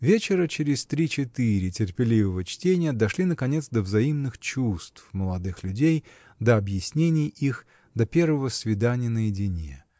Вечера через три-четыре терпеливого чтения дошли наконец до взаимных чувств молодых людей, до объяснения их, до первого свидания наедине.